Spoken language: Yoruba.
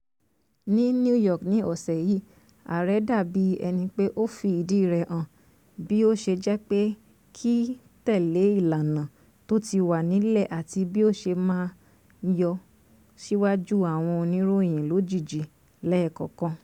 Ní New York ní ọ́ṣẹ̀ yìí, ààrẹ́ dá bí ẹnípé ó fi ìdí rẹ̀ hàn, bí ó ṣe jẹ́ pé kìí tẹ̀lé ìlànà to ti wa nílẹ̀ àti bí ó ṣe máa ń yọ síwájú àwọn oníròyìn lójijì lẹ́ẹ̀kọ̀kan.